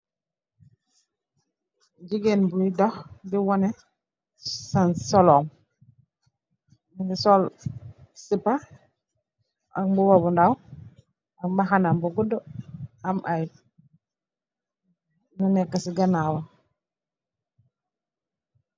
Gigeen buy dox di waneh solom, mugii sol sipá ak mbuba bu ndaw ak mbàxna am bu gudu am ay lu nekka ci ganaw wam.